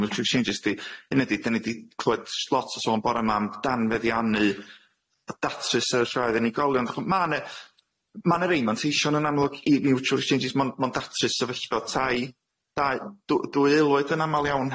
mutual changes di hynny ydi dyn ni di clywed sh- lot o sôn bore ma' am danfeddiannu yy datrys a'r llraedd anigolion dach ch'mo' ma' ne ma' ne rei manteision yn amlwg i mutual changes mond- mond datrys sefyllfa tai dai dw- dwy aelwyd yn amal iawn